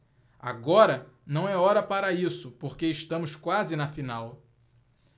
agora não é hora para isso porque estamos quase na final